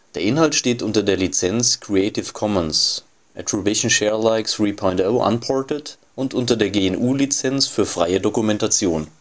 Inhalt steht unter der Lizenz Creative Commons Attribution Share Alike 3 Punkt 0 Unported und unter der GNU Lizenz für freie Dokumentation